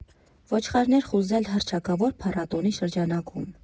Ոչխարներ խուզել հռչակավոր փառատոնի շրջանակում։